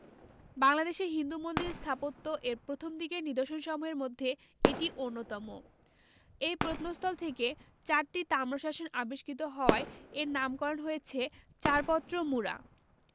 বাংলাদেশে হিন্দু মন্দির স্থাপত্য এর প্রথমদিকের নিদর্শনসমূহের মধ্যে এটি অন্যতম এই প্রত্নস্থল থেকে চারটি তাম্রশাসন আবিষ্কৃত হওয়ায় এর নামকরণ হয়েছে চারপত্র মুরা